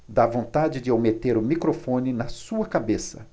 dá vontade de eu meter o microfone na sua cabeça